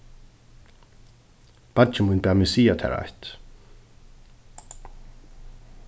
beiggi mín bað meg siga tær eitt